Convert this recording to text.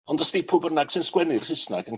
Ond os 'di pw bynnag sy'n sgwennu'r Sysnag 'n